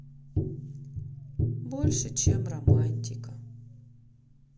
больше чем романтика